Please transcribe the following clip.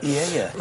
Ie ie.